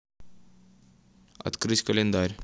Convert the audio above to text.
открыть календарь